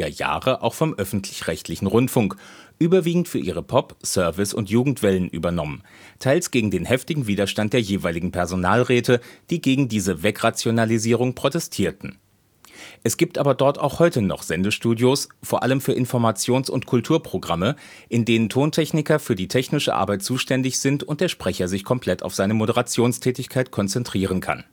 1980er-Jahre auch vom öffentlich-rechtlichen Rundfunk, überwiegend für ihre Pop -, Service - und Jugendwellen, übernommen; teils gegen den heftigen Widerstand der jeweiligen Personalräte, die gegen diese „ Wegrationalisierung “protestierten. Es gibt aber dort auch heute noch Sendestudios, vor allem für Informations - und Kulturprogramme, in denen Tontechniker für die technische Arbeit zuständig sind und der Sprecher sich komplett auf seine Moderationstätigkeit konzentrieren kann